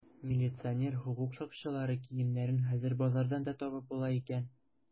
Милиционер, хокук сакчылары киемнәрен хәзер базардан да табып була икән.